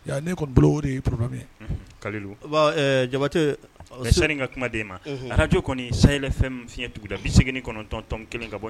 Ne' e kɔni bulon de yeorobe kalu jabato seri ka kumaden ma a'jo kɔni sala fɛn fiɲɛ duguda bi segin kɔnɔntɔn kelen ka bɔ